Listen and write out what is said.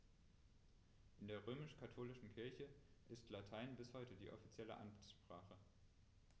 In der römisch-katholischen Kirche ist Latein bis heute offizielle Amtssprache.